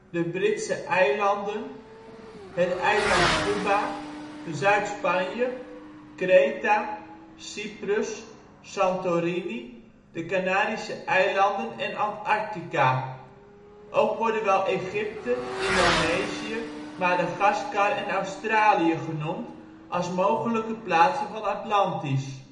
de Britse eilanden, het eiland Cuba, Zuid-Spanje, Kreta, Cyprus, Santorini, de Canarische Eilanden en Antarctica. Ook worden wel Egypte, Indonesië, Madagaskar en Australië genoemd als mogelijke plaatsen van Atlantis